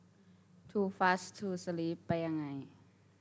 ทูฟาสต์ทูสลีบไปยังไง